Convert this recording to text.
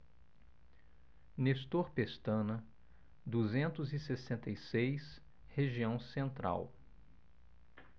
nestor pestana duzentos e sessenta e seis região central